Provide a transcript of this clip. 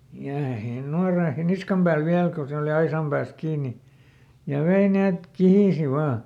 ja siinä nuora siinä niskan päällä vielä kun se oli aisan päässä kiinni ja vei niin että kihisi vain